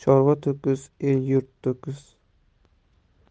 chorva to'kis el yurt to'kis